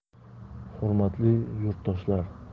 hurmatli yurtdoshlar